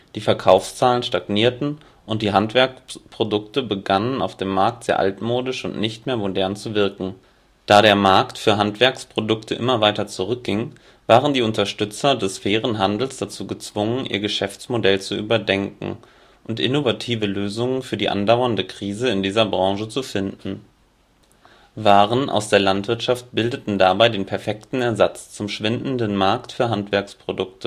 die Verkaufszahlen stagnierten und die Handwerkprodukte begannen, auf dem Markt sehr altmodisch und nicht mehr modern zu wirken. Da der Markt für Handwerksprodukte immer weiter zurückging, waren die Unterstützer des fairen Handels dazu gezwungen, ihr Geschäftsmodell zu überdenken, und innovative Lösungen für die andauernde Krise in dieser Branche zu finden. Waren aus der Landwirtschaft bildeten dabei den perfekten Ersatz zum schwindenden Markt für Handwerksprodukte: Sie